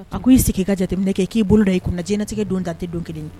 A ko i sigi i ka jateminɛ kɛ k'i bolo da ye i kunna na diɲɛlatigɛ don dantɛ don kelen ye